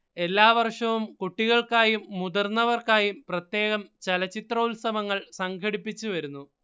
എല്ലാ വർഷവും കുട്ടികൾക്കായും മുതിർന്നവർക്കായും പ്രത്യേകം ചലച്ചിത്രോത്സവങ്ങൾ സംഘടിപ്പിച്ചു വരുന്നു